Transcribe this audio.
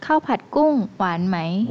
ข้าวผัดกุ้งหวานไหม